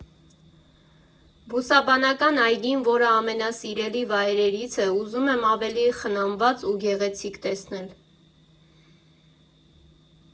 Բուսաբանական այգին, որ ամենասիրելի վայրերից է, ուզում եմ ավելի խնամված ու գեղեցիկ տեսնել։